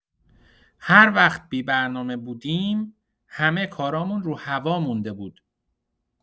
هر وقت بی‌برنامه بودیم، همه کارامون رو هوا مونده بود!